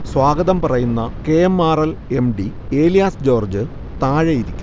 സ്വാഗതം പറയുന്ന K. M. R. L., M. D Elias George താഴെ ഇരിക്കണം